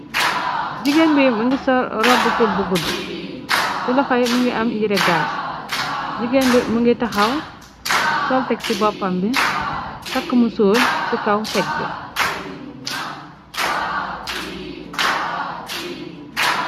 Jigeen bi mugii sol róbbu til bu guddu, ci loxo yi mugii am yirèh gas. Jigeen bi mugii taxaw sol tèk ci bópambi takka musór ci kaw tèg bi.